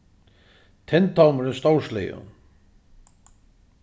tindhólmur er stórsligin